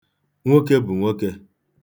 Nwoke bụ nwoke.